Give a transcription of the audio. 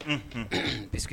P